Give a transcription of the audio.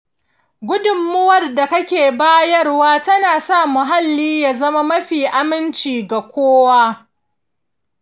gudunmawar da kake bayarwa tana sa muhallin ya zama mafi aminci ga kowa.